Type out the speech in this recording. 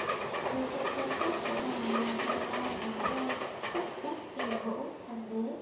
người con trai khác của bà là cao đam nối ngôi tức bắc tề vũ thành đế